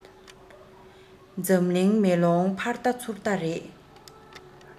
འཛམ གླིང མེ ལོང ཕར བལྟ ཚུར བལྟ རེད